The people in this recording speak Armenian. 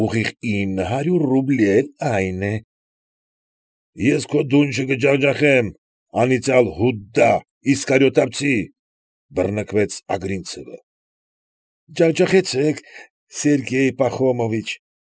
Ուղիղ ինը հարյուր ռուբլի էլ այն է։ ֊ Ես քո դունչը կջախջախեմ, անիծյալ Հուդա Իսկարիովտացի,֊ բռնկվեց Ագրինցևը։ ֊ Ջախջախեցեք, Սերգեյ Պախոմովիչ,